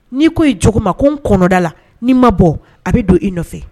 Ni ko i jogo ma ko n kɔnɔ da la, ni ma bɔ a bi don i nɔfɛ.